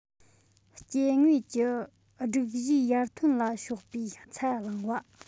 སྐྱེ དངོས ཀྱི སྒྲིག གཞིའི ཡར ཐོན ལ ཕྱོགས པའི ཚད གླེང བ